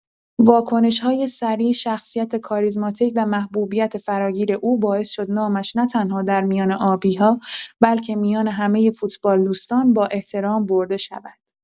واکنش‌های سریع، شخصیت کاریزماتیک و محبوبیت فراگیر او باعث شد نامش نه‌تنها در میان آبی‌ها، بلکه میان همه فوتبال‌دوستان، با احترام برده شود.